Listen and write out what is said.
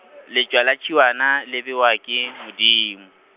letšwa la tšhuana, le bewa ke , Modimo.